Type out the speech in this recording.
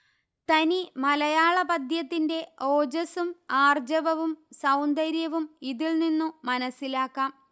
തനിമലയാള പദ്യത്തിന്റെ ഓജസ്സും ആർജവവും സൗന്ദര്യവും ഇതിൽനിന്നു മനസ്സിലാക്കാം